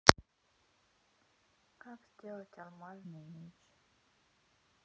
как сделать алмазный меч